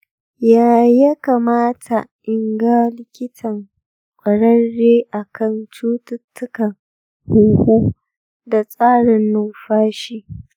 ya ya kamata in ga likitan kwararre akan cututtukan huhu da tsarin numfashi?